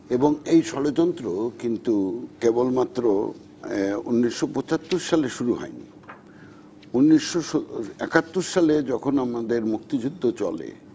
এবং এবং এই ষড়যন্ত্র কিন্তু কেবলমাত্র ১৯৭৫ সালে শুরু হয়নি ১৯৭১ সালে যখন আমাদের মুক্তিযুদ্ধ চলে